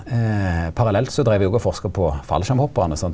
parallelt så dreiv eg òg og forska på fallskjermhopparane sant.